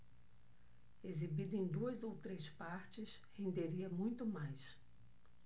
exibida em duas ou três partes renderia muito mais